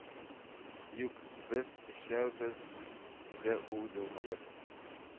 Юк, без өчәүбез, диде ул елмаеп